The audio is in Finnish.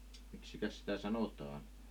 miksikäs sitä sanotaan